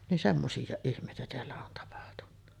niin semmoisia ihmeitä täällä on tapahtunut